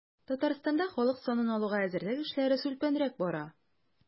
Татарстанда халык санын алуга әзерлек эшләре сүлпәнрәк бара.